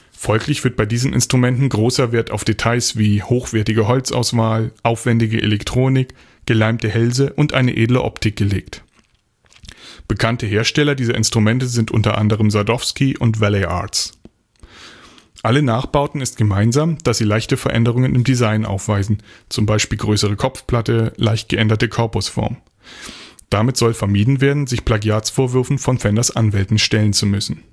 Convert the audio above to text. Folglich wird bei diesen Instrumenten großer Wert auf Details wie hochwertige Holzauswahl, aufwändige Elektronik, geleimte Hälse und eine edle Optik gelegt. Bekannte Hersteller dieser Instrumente sind u. a. Sadowsky und Valley Arts. Allen Nachbauten ist gemeinsam, dass sie leichte Veränderungen im Design aufweisen (z. B. größere Kopfplatte, leicht geänderte Korpusform). Damit soll vermieden werden, sich Plagiatsvorwürfen von Fenders Anwälten stellen zu müssen